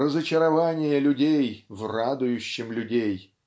разочарование людей в радующем людей